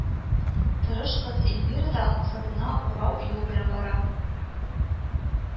Тырыш кыз Эльвира да максатына урау юл белән бара